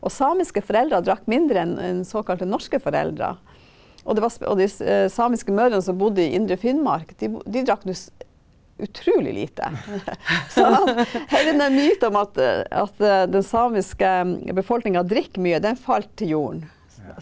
og samiske foreldre drakk mindre enn enn såkalte norske foreldre, og det var og de samiske mødrene som bodde i indre Finnmark, de de drakk nå utrulig lite, så heile den her myten om at at den samiske befolkninga drikker mye den falt til jorden.